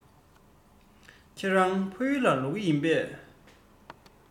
ཁྱེད རང ཕ ཡུལ ལ ལོག གི མིན པས